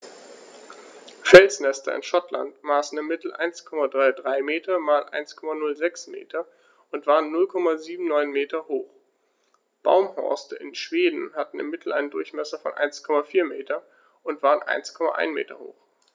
Felsnester in Schottland maßen im Mittel 1,33 m x 1,06 m und waren 0,79 m hoch, Baumhorste in Schweden hatten im Mittel einen Durchmesser von 1,4 m und waren 1,1 m hoch.